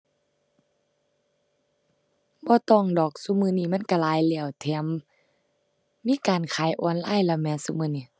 บ่ต้องดอก ซุมื้อนี้มันก็หลายแล้ว แถมมีการขายออนไลน์แล้วแหม ซุมื้อนี้